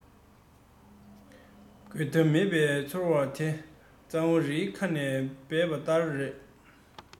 རྒོལ ཐབས མེད པའི ཚོར བ དེ གཙང བོ རི ཁ ནས འབབ པ ལྟར རེད